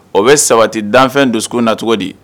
O bɛ sabati danfɛn don na cogo di